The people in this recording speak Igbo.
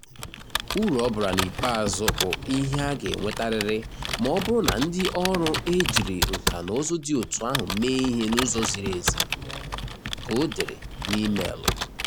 Uru ọ bara n'ikpeazụ bụ ihe a ga-enwetarịrị ma ọ bụrụ na ndị ọrụ e jiri nkànaụzụ dị otú ahụ mee ihe n'ụzọ ziri ezi," ka o dere n'imeelụ.